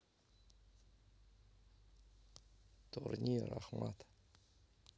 турнир ахмат